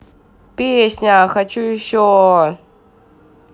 песня хочу еще